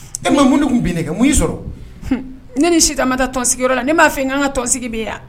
E ma mun tun bɛ kɛ mun sɔrɔ ne ni si damama taa tɔnsigiyɔrɔ la ne b'a fɔ n ka tɔnsigi bɛ yan